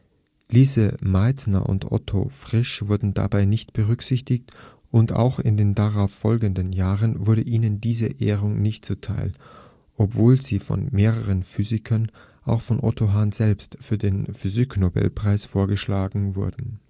Lise Meitner und Otto Frisch wurden dabei nicht berücksichtigt, und auch in den darauf folgenden Jahren wurde ihnen diese Ehrung nicht zuteil, obwohl sie von mehreren Physikern – auch von Otto Hahn selbst – für den Physik-Nobelpreis vorgeschlagen wurden